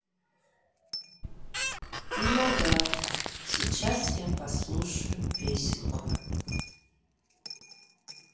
ну да сейчас я послушаю песенку